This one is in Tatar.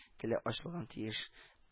Теле ачылган тиеш